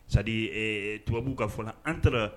Sa tubabubu ka fɔ an taara